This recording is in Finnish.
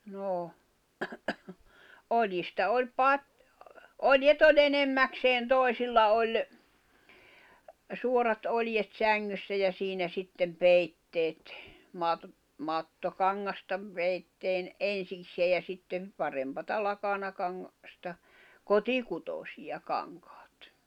no oljista oli - oljet oli enimmäkseen toisilla oli suorat oljet sängyssä ja siinä sitten peitteet - mattokangasta peitteen ensiksikin ja sitten parempaa - lakanakangasta kotikutoisia kankaat